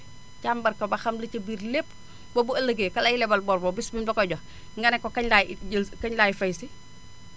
càmbar ko ba xam la ca biir lépp ba bu ëllëgee ka lay lebal bor ba bés bu mu la koy jox nga ne ko kañ laay jël si kañ laay fay si